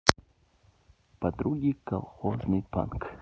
подруги колхозный панк